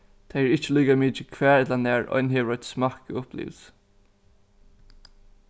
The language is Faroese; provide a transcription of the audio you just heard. tað er ikki líkamikið hvar ella nær ein hevur eitt smakkupplivilsi